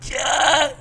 Tiɲɛ